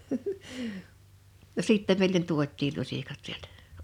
no sitten meille tuotiin lusikat sieltä